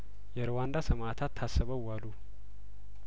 የሩዋንዳ ሰማእታት ታስበው ዋሉ